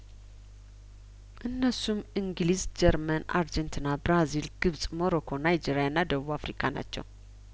እነሱም እንግሊዝ ጀርመን አርጀንቲና ብራዚል ግብጽ ሞሮኮ ናይጄሪያ እና ደቡብ አፍሪካ ናቸው